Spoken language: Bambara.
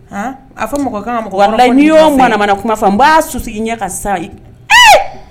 A fɔ mɔgɔ ka kan ka mɔgɔ walaye ni yo manamana kuma fɔ n ba susu i ɲɛ kan Sisan.